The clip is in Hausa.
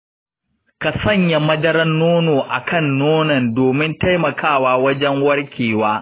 ka sanya madarar nono a kan nonon domin taimakawa wajen warkewa.